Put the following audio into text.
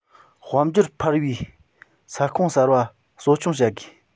དཔལ འབྱོར འཕར བའི ས ཁོངས གསར པ གསོ སྐྱོང བྱ དགོས